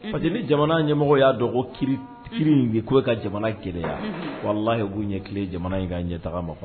Padi jamana ɲɛmɔgɔ y'a dɔgɔ kiiri in' ka jamana gya wala ye'u ɲɛ tile jamana in ka ɲɛ taga ma